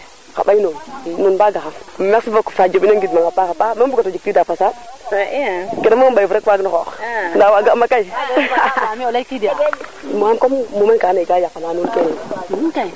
xa ɓay nuun nuun mbanga xam merci beaucoup fatou Diop in mboy ngid mang a paxa paax num mbugo njik wida fasaɓ kene moom o ɓayof soom waag no xoox nda wa ga ma kay comme mumeen ke ka yaqa na nuun